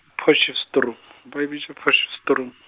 Potchefstroom, ba e bitša Potchefstroom.